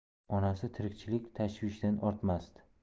onasi tirikchilik tashvishidan ortmasdi